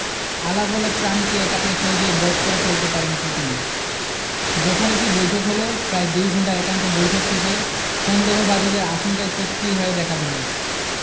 আলাভোলা ট্রাম্পকে একা পেয়ে সহজেই বশ করে ফেলতে পারেন পুতিন যথারীতি বৈঠক হলো প্রায় দুই ঘণ্টার একান্ত বৈঠক শেষে সন্দেহবাদীদের আশঙ্কাই সত্যি হয়ে দেখা দিল